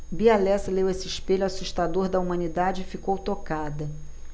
bia lessa leu esse espelho assustador da humanidade e ficou tocada